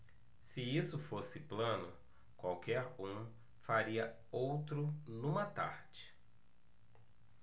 se isso fosse plano qualquer um faria outro numa tarde